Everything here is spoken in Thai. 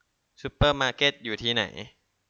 ซุเปอร์มาร์เก็ตอยู่ที่ไหน